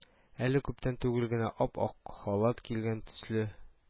Әле күптән түгел генә ап-ак халат кигән төсле